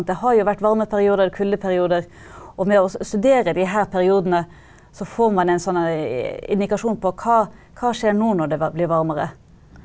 det har jo vært varmeperioder eller kuldeperioder og med å studere de her periodene så får man en sånn indikasjon på hva hva skjer nå når det blir varmere.